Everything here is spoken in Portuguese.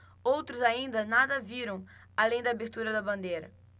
outros ainda nada viram além da abertura da bandeira